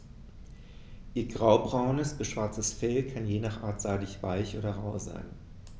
Ihr graubraunes bis schwarzes Fell kann je nach Art seidig-weich oder rau sein.